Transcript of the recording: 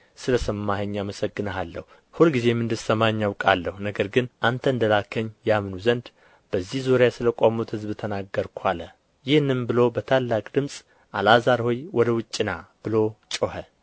ስለ ሰማኸኝ አመሰግንሃለሁ ሁልጊዜም እንድትሰማኝ አወቅሁ ነገር ግን አንተ እንደ ላክኸኝ ያምኑ ዘንድ በዚህ ዙሪያ ስለ ቆሙት ሕዝብ ተናገርሁ አለ ይህንም ብሎ በታላቅ ድምፅ አልዓዛር ሆይ ወደ ውጭ ና ብሎ ጮኸ